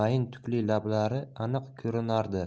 mayin tukli lablari aniq ko'rinardi